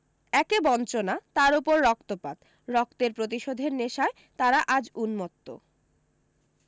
একে বঞ্চনা তার ওপর রক্তপাত রক্তের প্রতিশোধের নেশায় তারা আজ উন্মত্ত